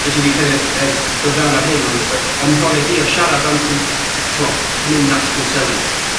...fedri di kind of yy dod fewn ar hyn, ond o o'm mhrofiad i o siarad am cwn- t'mod, mynd at gwnselydd